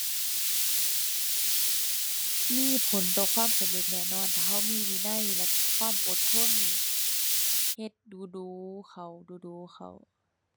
มีผลต่อความสำเร็จแน่นอน ถ้าเรามีวินัยแล้วเราความอดทน เฮ็ดดู๋ดู๋เข้าดู๋ดู๋เข้า